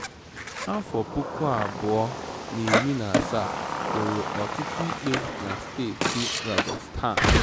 Afọ 2017 hụrụ ọtụtụ ikpe na steeti Rajasthan.